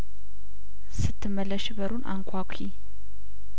ስትመለሺ በሩን አንኳኲ